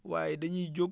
waaye dañuy jóg